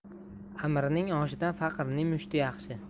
amirning oshidan faqirning mushti yaxshi